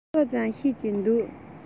ཏོག ཙམ ཤེས ཀྱི འདུག